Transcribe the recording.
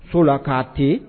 So la k'a ten